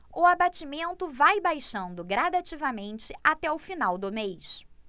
o abatimento vai baixando gradativamente até o final do mês